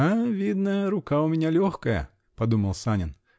"А видно, рука у меня легкая!" -- подумал Санин.